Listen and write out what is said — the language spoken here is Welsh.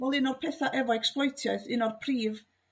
Wel un o'r petha' efo ecsbloetiaeth un o'r prif